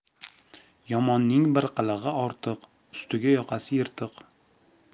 yomonning bir qilig'i ortiq ustiga yoqasi yirtiq